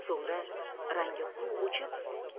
so'ngra rangi quv o'chib